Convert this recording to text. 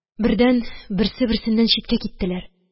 Бердән, берсе берсеннән читкә киттеләр